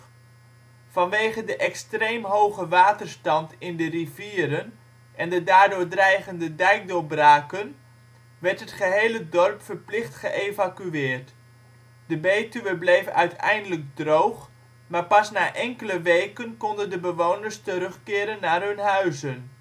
Vanwege de extreem hoge waterstand in de rivieren en de daardoor dreigende dijkdoorbraken werd het gehele dorp verplicht geëvacueerd. De Betuwe bleef uiteindelijk droog, maar pas na enkele weken konden de bewoners terugkeren naar hun huizen